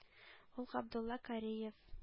Ул Габдулла Кариев.